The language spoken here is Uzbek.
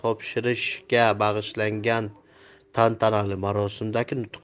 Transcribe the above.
topshirishga bag'ishlangan tantanali marosimdagi nutq